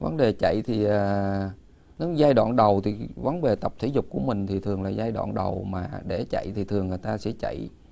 vấn đề chạy thì à những giai đoạn đầu thì vấn đề tập thể dục của mình thì thường là giai đoạn đầu mà để chạy thì thường người ta sẽ chạy